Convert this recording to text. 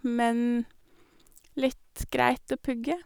Men litt greit å pugge.